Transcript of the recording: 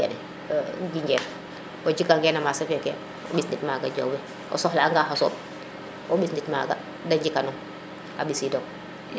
kene jinjeer o jika nge no marché feke o mbis nit maga Jawbe o soxla anga xa sooɓ o mbis nit maga de njika noŋa mbisi doŋ